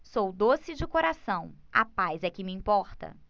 sou doce de coração a paz é que me importa